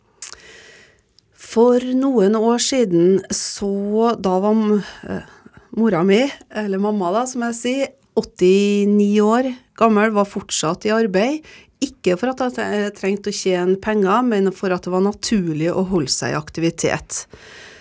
for noen år siden så da var mora mi, eller mamma da som jeg sier, 89 år gammel var fortsatt i arbeid ikke for at hun trengte å tjene penger men for at det var naturlig å holde seg i aktivitet.